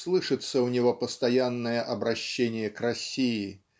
слышится у него постоянное обращение к России